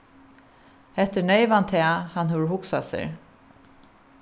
hetta er neyvan tað hann hevur hugsað sær